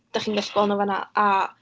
Dach chi'n gallu gweld nhw fan'na, a...